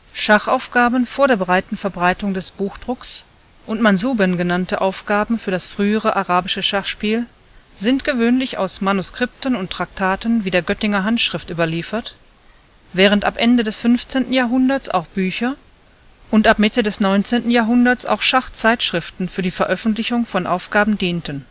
Schachaufgaben vor der breiten Verbreitung des Buchdrucks und Mansuben genannte Aufgaben für das frühere arabische Schachspiel sind gewöhnlich aus Manuskripten und Traktaten wie der Göttinger Handschrift überliefert, während ab Ende des 15. Jahrhunderts auch Bücher und ab Mitte des 19. Jahrhunderts auch Schachzeitschriften für die Veröffentlichung von Aufgaben dienten